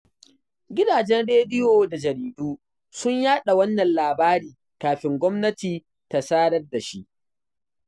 Gidajen rediyo da jaridu sun yaɗa wannan labari kafin gwamnati ta sadar da shi.